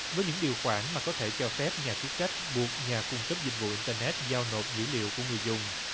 với những điều khoản mà có thể cho phép nhà chức trách buộc nhà cung cấp dịch vụ in tơ nét giao nộp dữ liệu của người dùng